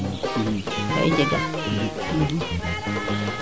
kaa i njegan